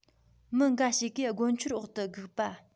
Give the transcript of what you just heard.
མི འགའ ཞིག གིས སྒོ མཆོར འོག ཏུ སྒུག པ